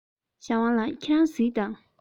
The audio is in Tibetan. ཞའོ ཝང ལགས ཁྱེད རང གཟིགས དང